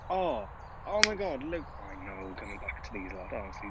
Oh, oh my god, Luc-. I know coming back to these a lot, honestly.